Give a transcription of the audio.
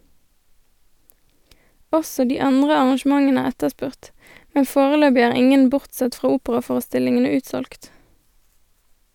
Også de andre arrangementene er etterspurt, men foreløpig er ingen bortsett fra operaforestillingene utsolgt.